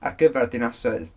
ar gyfer dinasoedd.